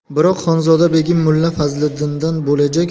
biroq xonzoda begim mulla fazliddindan bo'lajak